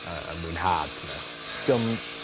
Y y mwynhad 'na. 'Dio'm